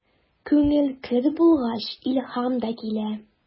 Күңел көр булгач, илһам да килә.